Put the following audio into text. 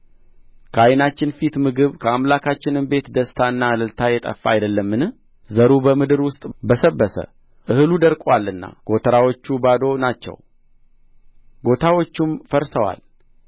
ከዓይናችን ፊት ምግብ ከአምላካችንም ቤት ደስታና እልልታ የጠፋ አይደለምን ዘሩ በምድር ውስጥ በሰበሰ እህሉ ደርቆአልና ጎተራዎቹ ባዶ ናቸው ጎታዎቹም ፈርሰዋል